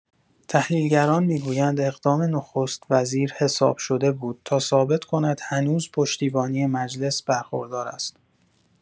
تحلیل‌گران می‌گویند اقدام نخست‌وزیر حساب‌شده بود تا ثابت کند هنوز پشتیبانی مجلس برخوردار است.